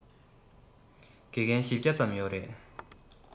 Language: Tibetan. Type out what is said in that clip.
དགེ རྒན ༥༠༠ ཙམ ཡོད རེད